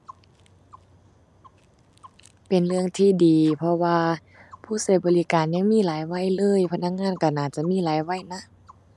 เป็นเรื่องที่ดี เพราะว่าผู้ใช้บริการยังมีหลายวัยเลย พนักงานใช้น่าจะมีหลายวัยนะ